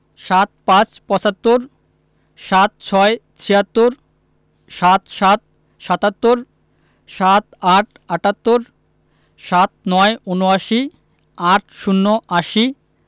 ৭৫ – পঁচাত্তর ৭৬ - ছিয়াত্তর ৭৭ – সাত্তর ৭৮ – আটাত্তর ৭৯ – উনআশি ৮০ - আশি